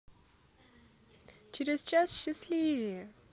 через час счастливее